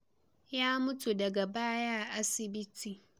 Ya mutu daga baya a asibiti.